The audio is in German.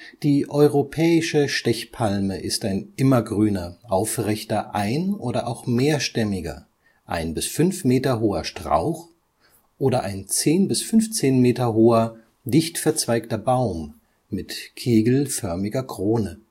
Die Europäische Stechpalme ist ein immergrüner, aufrechter ein - oder auch mehrstämmiger, 1 bis 5 m hoher Strauch oder ein 10 bis 15 m hoher, dicht verzweigter Baum mit kegelförmiger Krone